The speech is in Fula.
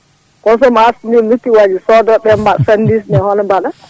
kono so * sodoɓe ɓaɗa sandiwch ɓe hono ɓaɗata